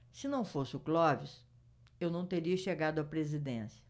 se não fosse o clóvis eu não teria chegado à presidência